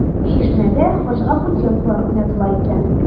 “чишмә”дә хаҗга путевкалар уйнатыла икән.